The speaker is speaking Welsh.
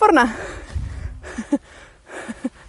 for 'na.